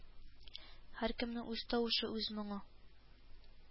Һәркемнең үз тавышы, үз моңы